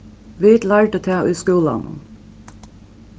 vit lærdu tað í skúlanum